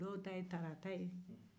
dɔw ta ye tarata ye